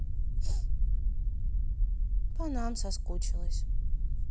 по нам соскучилась